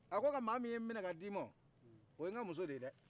a ko nka maa min ye minɛ ka n d'i ma o ye n ka muso de ye dɛ